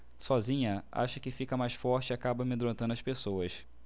sozinha acha que fica mais forte e acaba amedrontando as pessoas